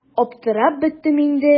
Аптырап беттем инде.